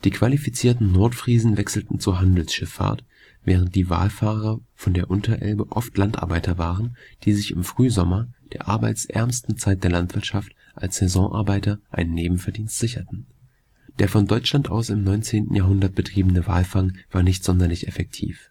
qualifizierten Nordfriesen wechselten zur Handelsschifffahrt, während die Walfahrer von der Unterelbe oft Landarbeiter waren, die sich im Frühsommer, der arbeitsärmsten Zeit der Landwirtschaft, als Saisonarbeiter einen Nebenverdienst sicherten. Der von Deutschland aus im 19. Jahrhundert betriebene Walfang war nicht sonderlich effektiv